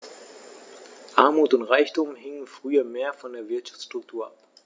Armut und Reichtum hingen früher mehr von der Wirtschaftsstruktur ab.